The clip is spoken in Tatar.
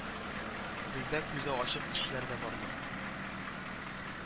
Бездә күзе ачык кешеләр дә бардыр